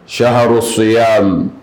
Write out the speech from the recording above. Siharoso y'a